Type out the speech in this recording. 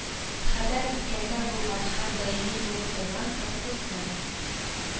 Хәбәр үткәндә булган һәм даими булып торган процессны